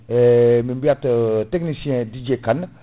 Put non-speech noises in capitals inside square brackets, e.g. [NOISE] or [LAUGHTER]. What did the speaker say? [HESITATION] min biyat technicien Dj Kane